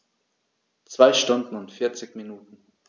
2 Stunden und 40 Minuten